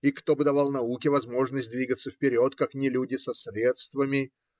И кто бы давал науке возможность двигаться вперед, как не люди со средствами?